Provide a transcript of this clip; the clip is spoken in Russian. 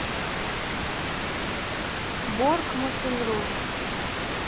борг макинрой